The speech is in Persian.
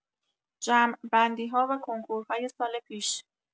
جمع بندی‌ها و کنکورهای سال پیش